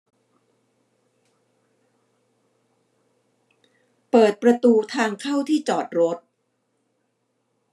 เปิดประตูทางเข้าที่จอดรถ